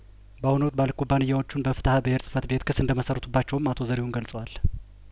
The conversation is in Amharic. በአሁኑ ወቅት ባለኩባንያዎቹን በፍትሀ ብሄር ጽፈት ቤት ክስ እንደመሰረቱባቸውም አቶ ዘሪሁን ገልጸዋል